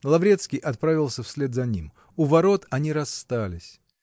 Лаврецкий отправился вслед за ним. У ворот они расстались